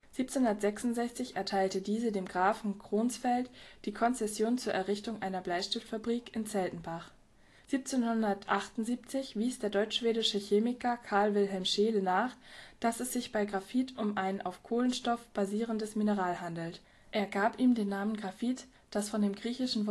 1766 erteilte diese dem Grafen Kronsfeld die Konzession zur Errichtung einer Bleistiftfabrik in Zeltenbach. 1778 wies der deutsch-schwedische Chemiker Carl Wilhelm Scheele nach, dass es sich bei Graphit um ein auf Kohlenstoff basierendes Mineral handelt. Er gab ihm den Namen Graphit, das von dem griechischen Wort